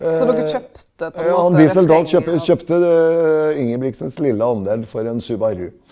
ja han Diesel Dahl kjøpte Ingebrigtsens lille andel for en Subaru.